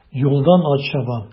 Юлдан ат чаба.